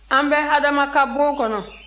an bɛ adama ka bon kɔnɔ